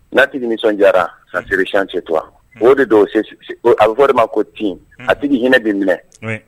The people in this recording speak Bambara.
N'a tigi nisɔndi a zcsetura o oo de don a bɛ fɔ de ma ko tin a tigi hinɛ bɛ minɛ